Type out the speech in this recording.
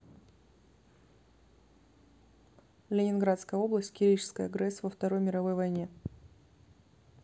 ленинградская область киришская грэс во второй мировой войне